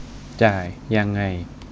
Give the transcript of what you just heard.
จ่ายยังไง